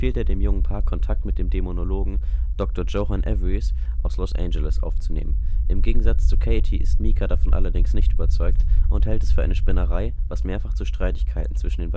er dem jungen Paar Kontakt mit dem Dämonologen Dr. Johann Averies aus Los Angeles aufzunehmen. Im Gegensatz zu Katie ist Micah davon allerdings nicht überzeugt und hält es für eine Spinnerei, was mehrfach zu Streitigkeiten zwischen